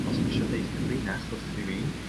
os dwisio deud cyfrinach wrth rywfun